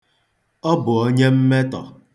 Ọ bụ onye mmetọ.